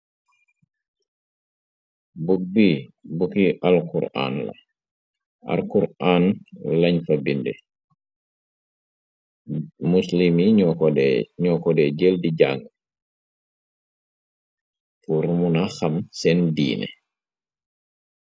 Buk bi bukki alkur ann la alkur ann lañ fa binde muslüm yi ñoo ko de jël di jàng pur muna xam seen diine.